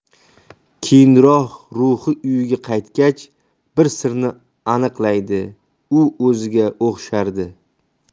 keyinroq ruhi uyiga qaytgach bir sirni aniqlaydi u o'ziga o'xshardi